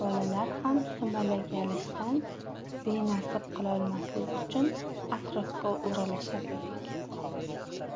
biz bolalar ham sumalak yalashdan benasib qolmaslik uchun atrofda o'ralashar edik